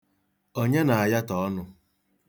Onye na-ayatọ ọnụ?